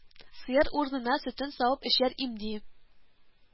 Сыер урнына сөтен савып эчәр имди